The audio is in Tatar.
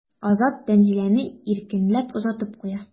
Азат Тәнзиләне иркенләп озатып куя.